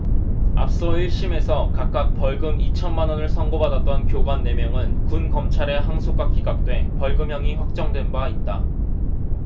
앞서 일 심에서 각각 벌금 이천 만 원을 선고받았던 교관 네 명은 군 검찰의 항소가 기각돼 벌금형이 확정된 바 있다